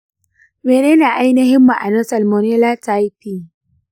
menene ainihin ma’anar salmonella typhi?